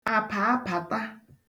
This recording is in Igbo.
àpàapàta